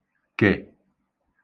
kè